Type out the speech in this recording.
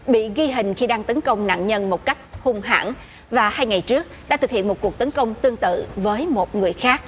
bị ghi hình khi đang tấn công nạn nhân một cách hung hãn và hai ngày trước đã thực hiện một cuộc tấn công tương tự với một người khác